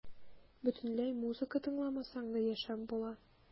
Бөтенләй музыка тыңламасаң да яшәп була.